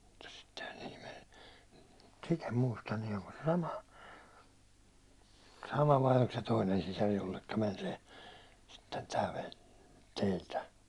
mutta sittenhän siihen meni mutta sitä en muista niin onko se sama sama vai oliko se toinen sisar jolle meni se sitten tämä veli teiltä